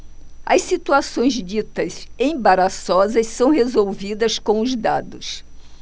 as situações ditas embaraçosas são resolvidas com os dados